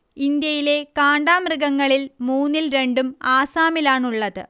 ഇന്ത്യയിലെ കാണ്ടാമൃഗങ്ങളിൽ മൂന്നിൽ രണ്ടും ആസാമിലാണുള്ളത്